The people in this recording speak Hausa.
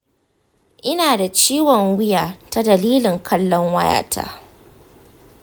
ina da ciwon wuya ta dalilin kallon waya ta